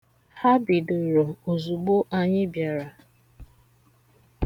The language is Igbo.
Ha bidoro ozugbo anyị bịara.